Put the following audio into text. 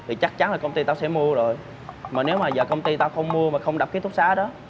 thì chắc chắn là công ty tao sẽ mua rồi mà nếu mà giờ công ty tao không mua mà không đập kí túc xá đó